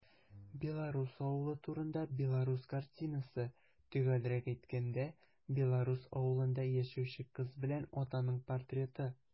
Белорус авылы турында белорус картинасы - төгәлрәк әйткәндә, белорус авылында яшәүче кыз белән атаның портреты.